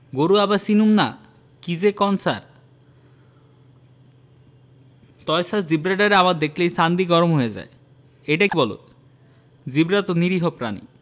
গরু আবার চিনুম না কি যে কন ছার তয় ছার জেব্রাডারে আমার দেখলেই চান্দি গরম হয়া যায় এইডা কি বললা জেব্রা তো নিরীহ প্রাণী